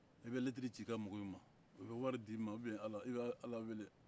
i bɛ lɛtiri ci i ka mɔgɔw man u bɛ wari d'i ma ubiɲɛ ala i b'ala wele